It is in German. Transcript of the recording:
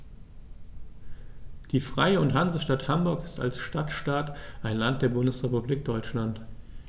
Die Freie und Hansestadt Hamburg ist als Stadtstaat ein Land der Bundesrepublik Deutschland.